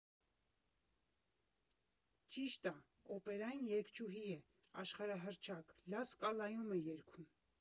Ճիշտ ա, օպերային երգչուհի է աշխարհահռչակ, Լա Սկալայում է երգում։